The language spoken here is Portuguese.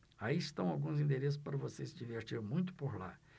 aí estão alguns endereços para você se divertir muito por lá